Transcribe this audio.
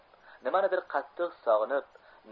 nimanidir qattiq sog'inib